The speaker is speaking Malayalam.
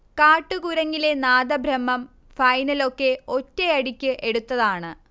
'കാട്ടുകുരങ്ങിലെ നാദബ്രഹ്മം' ഫൈനലൊക്കെ ഒറ്റയടിക്ക് എടുത്തതാണ്